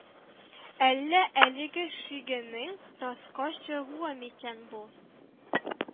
Әллә әлеге шигенең раска чыгуы микән бу